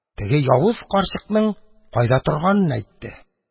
Теге явыз карчыкның кайда торганын әйтте.